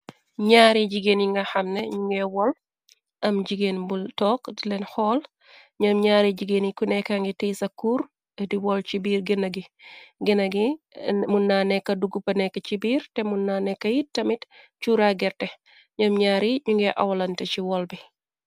Nyaari jigeen yi nga xamne ñu nge wol am jigéen bu toog di leen xoll ñam ñyaari jigéen yi ku nekka ngi tey sa kuur di wol ci biir gëna gi gëna gi mun na nekka duggpa nekk ci biir te mun na nekka yi tamit cuura gerte ñam ñyaar yi ñu nge awlante ci wol bi.